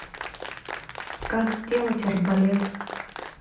как сделать арбалет